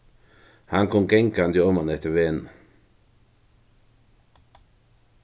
hann kom gangandi oman eftir vegnum